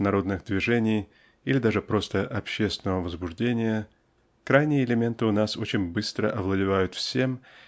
народных движений или даже просто общественного возбуждения крайние элементы у нас очень быстро овладевают всем